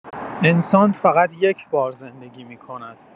انسان فقط یک‌بار زندگی می‌کند.